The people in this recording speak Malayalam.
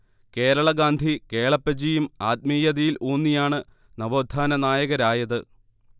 കേരള ഗാന്ധി കേളപ്പജിയും ആത്മീയതയിൽ ഊന്നിയാണ് നവോത്ഥാന നായകരായത്